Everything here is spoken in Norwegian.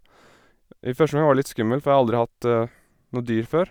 I første omgang var det litt skummelt, for jeg har aldri hatt noe dyr før.